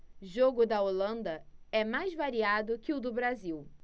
jogo da holanda é mais variado que o do brasil